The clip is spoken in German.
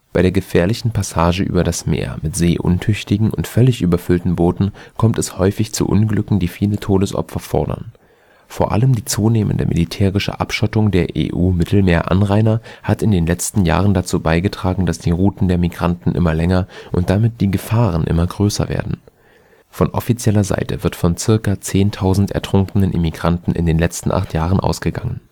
Bei der gefährlichen Passage über das Meer mit seeuntüchtigen und völlig überfüllten Booten kommt es häufig zu Unglücken, die viele Todesopfer fordern. Vor allem die zunehmende militärische Abschottung der EU-Mittelmeer-Anrainer hat in den letzten Jahren dazu beigetragen, dass die Routen der Migranten immer länger und damit die Gefahren immer größer werden. Von offizieller Seite wird von ca. 10.000 ertrunkenen Immigranten in den letzten acht Jahren ausgegangen